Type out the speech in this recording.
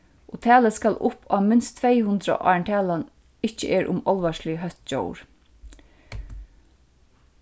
og talið skal upp á minst tvey hundrað áðrenn talan ikki er um álvarsliga hótt djór